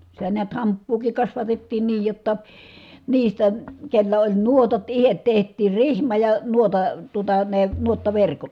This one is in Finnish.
sitä näet hamppuakin kasvatettiin niin jotta niistä kenellä oli nuotat itse tehtiin rihma ja - tuota ne nuottaverkot